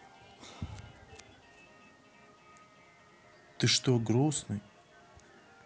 ты что грустный